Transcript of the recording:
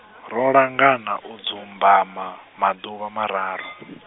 ro langana u dzumbama, maḓuvha mararu.